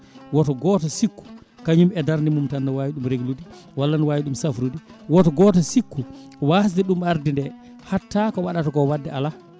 woto sikku kañum e darde mum tan ne wawi ɗum reglude walla ne wawi ɗum safrude woto goto sikku wasde ɗum arde nde hatta ko waɗata ko wadde ala